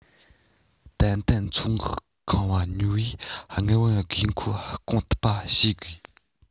ཏན ཏན ཚོད འགོག ཁང པ ཉོ བའི དངུལ བུན དགོས མཁོ སྐོང ཐུབ པ བྱེད དགོས